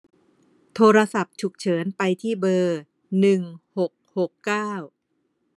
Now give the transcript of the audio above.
โทรศัพท์ฉุกเฉินไปที่เบอร์หนึ่งหกหกเก้า